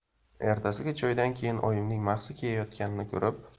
ertasiga choydan keyin oyimning mahsi kiyayotganini ko'rib